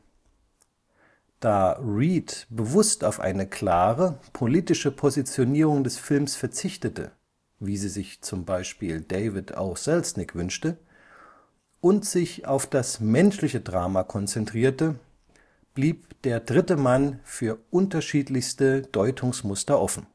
Da Reed bewusst auf eine klare politische Positionierung des Films verzichtete (wie sie sich z. B. David O. Selznick wünschte) und sich auf das menschliche Drama konzentrierte, blieb Der dritte Mann für unterschiedlichste Deutungsmuster offen